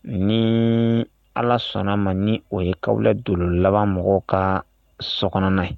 Ni ala sɔnna ma ni o yekawlɛ don laban mɔgɔ ka so kɔnɔn ye